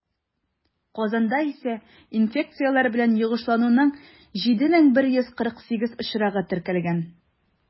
Казанда исә инфекцияләр белән йогышлануның 7148 очрагы теркәлгән.